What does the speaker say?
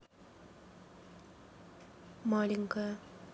маленькая